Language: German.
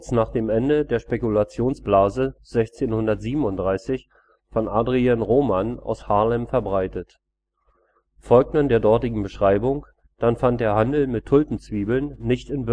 nach dem Ende der Spekulationsblase 1637 von Adriaen Roman aus Haarlem verbreitet. Folgt man der dortigen Beschreibung, dann fand der Handel mit Tulpenzwiebeln nicht in